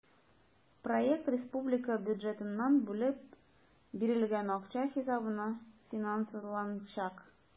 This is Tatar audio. Проект республика бюджетыннан бүлеп бирелгән акча хисабына финансланачак.